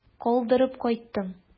Калдырып кайттым.